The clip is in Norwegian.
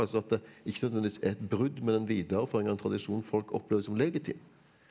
altså at det ikke nødvendigvis er et brudd men en videreføring av en tradisjon folk opplever som legitim?